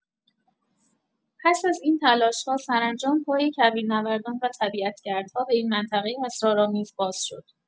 پس از این تلاش‌ها سرانجام پای کویرنوردان و طبیعت گردها به این منطقه اسرارآمیز باز شد.